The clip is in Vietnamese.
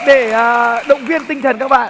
để động viên tinh thần các bạn